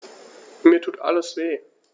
Mir tut alles weh.